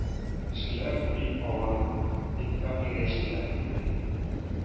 Кешеләр бик авыр, бик фәкыйрь яшиләр, ди.